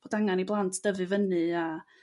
bod angan i blant dyfu fyny a